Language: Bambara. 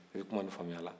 e bɛka kuma in faamu